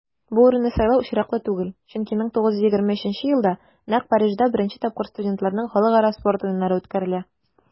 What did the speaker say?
Бу урынны сайлау очраклы түгел, чөнки 1923 елда нәкъ Парижда беренче тапкыр студентларның Халыкара спорт уеннары үткәрелә.